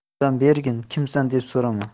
yordam bergin kimsan deb so'rama